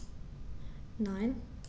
Nein.